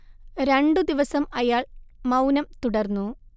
രണ്ടു ദിവസം അയാൾ മൗനം തുടർന്നു